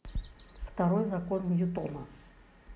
второй закон ньютона